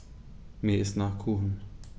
Mir ist nach Kuchen.